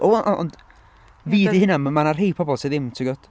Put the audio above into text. O, a- a- ond fi 'di hynna. Ma- mae 'na rhai pobl sydd ddim timod?